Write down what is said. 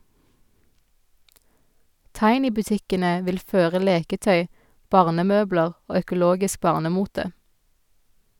Tiny-butikkene vil føre leketøy, barnemøbler og økologisk barnemote.